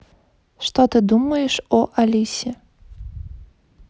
что ты думаешь о алисе